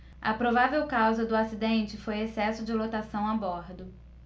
a provável causa do acidente foi excesso de lotação a bordo